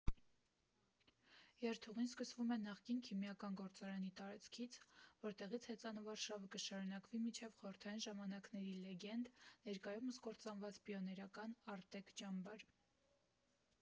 Երթուղին սկսվում է նախկին Քիմիական գործարանի տարածքից, որտեղից հեծանվարշավը կշարունակվի մինչև խորհրդային ժամանակների լեգենդ, ներկայումս կործանված պիոներական «Արտեկ» ճամբար։